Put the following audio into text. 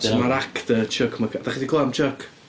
So mae'r actor Chuck Mc-... Dach chi 'di clywed am Chuck?